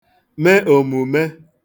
me òmùme